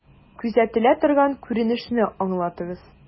Күзәтелә торган күренешне аңлатыгыз.